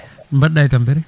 mbaɗɗa e tampere